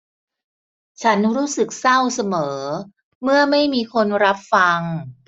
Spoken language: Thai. ฉันรู้สึกเศร้าเสมอเมื่อไม่มีคนรับฟัง